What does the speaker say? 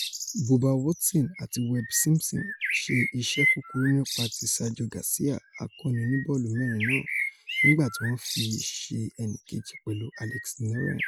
Bubba Watson àti Webb Simson ṣe iṣẹ́ kúkúrú nípa ti Sergio Garcia, akọni oníbọ́ọ̀lù-mẹ́rin náà, nígbà tí wọn fí i ṣe ẹnìkeji pẹ̀lú Alex Noren.